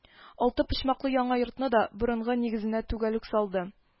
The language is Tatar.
Алты почмаклы яңа йортны да борынгы нигезенә төгәл үк салды